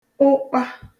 ụkpa